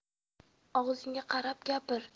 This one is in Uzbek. og'zingga qarab gapir